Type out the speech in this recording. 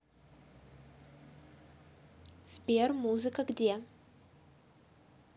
сбер музыка где